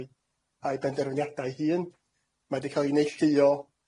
I drafod felly?